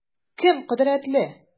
Кем кодрәтле?